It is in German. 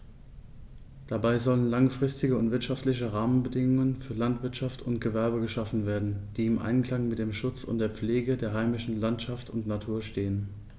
Dabei sollen langfristige und wirtschaftliche Rahmenbedingungen für Landwirtschaft und Gewerbe geschaffen werden, die im Einklang mit dem Schutz und der Pflege der heimischen Landschaft und Natur stehen.